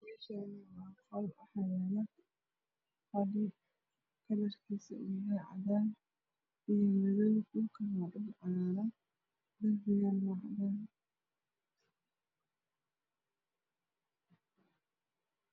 Meshaani waabqol waxaa yala fadhi kalarkiisu uyahay cadan iyo madoow shulkuna waa dhuul cagaaran derbigana waa cadan